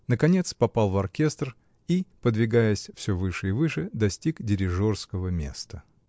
наконец попал в оркестр и, подвигаясь все выше и выше, достиг дирижерского места.